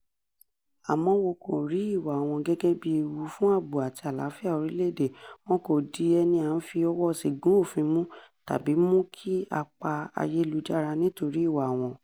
Àmọ́ wọn kò rí ìwàa wọn gẹ́gẹ́ bíi ewu fún ààbò àti àlàáfíà orílẹ̀-èdè; wọn kò di ẹni à ń fi ọwọ́ọ ṣìgún òfin mú tàbí mú kí a pa ayélujára nítorí ìwàa wọn.